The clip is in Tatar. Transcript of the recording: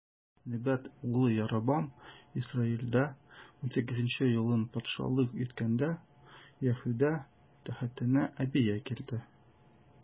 Небат углы Яробам Исраилдә унсигезенче елын патшалык иткәндә, Яһүдә тәхетенә Абия килде.